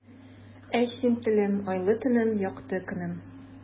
Әй, син, телем, айлы төнем, якты көнем.